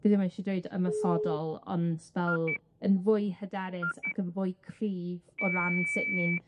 dwi ddim eisiau dweud ymosodol, ond fel yn fwy hyderus ac yn fwy cryf o ran sut ni'n